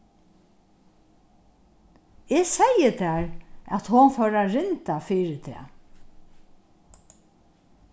eg segði tær at hon fór at rinda fyri tað